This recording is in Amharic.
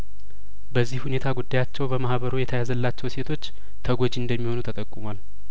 በዚህ ሁኔታ ጉዳያቸው በማህበሩ የተያዘላቸው ሴቶች ተጐጂ እንደሚሆኑ ተጠቁሟል